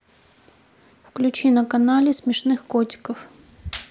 включи на ютубе смешных котиков